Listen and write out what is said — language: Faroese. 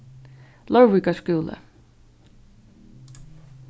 leirvíkar skúli